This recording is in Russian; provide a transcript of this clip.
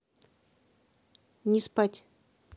не спать